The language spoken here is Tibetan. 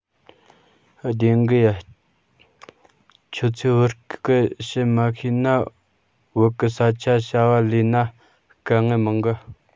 བདེན གི ཡ ཁྱོད ཚོས བོད སྐད བཤད མ ཤེས ན བོད གི ས ཆ བྱ བ ལས ན དཀའ ངལ མང གི